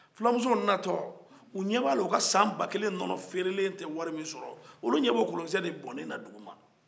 fulamuso na tɔ u ɲɛ b'a la u ka san ba kelen nɔnɔ feerelen tɛ wari min sɔrɔ olu ɲɛ bɛ o kolonkisɛ de bɔnnen na dugu man